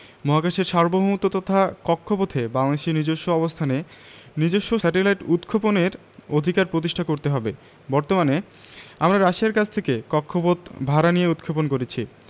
মহাকাশের সার্বভৌমত্ব তথা কক্ষপথে বাংলাদেশের নিজস্ব অবস্থানে নিজস্ব স্যাটেলাইট উৎক্ষেপণের অধিকার প্রতিষ্ঠা করতে হবে বর্তমানে আমরা রাশিয়ার কাছ থেকে কক্ষপথ ভাড়া নিয়ে উৎক্ষেপণ করেছি